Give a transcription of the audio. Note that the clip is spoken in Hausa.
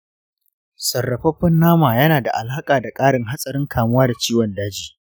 sarrafaffen nama yana da alaka da karin hatsarin kamuwa da ciwon daji.